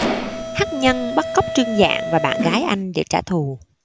hắc nhân bắt cóc trương dạng và bạn gái anh để trả thù